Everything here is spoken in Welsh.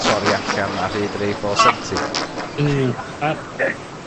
Torri allan ar hyd yr a four seventy. Yn union a